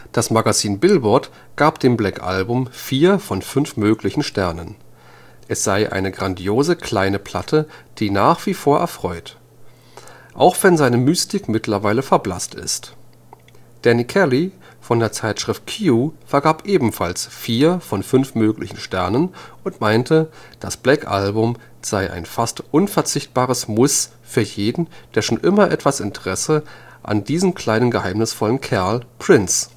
Das Magazin Billboard gab dem Black Album vier von fünf möglichen Sternen. Es sei eine „ grandiose kleine Platte, die nach wie vor erfreut. Auch wenn seine Mystik mittlerweile verblasst ist. “Danny Kelly von der Zeitschrift Q vergab ebenfalls vier von fünf möglichen Sternen und meinte, das Black Album sei „ ein fast unverzichtbares Muss” für „ jeden, der schon immer etwas Interesse an diesen kleinen geheimnisvollen Kerl [Prince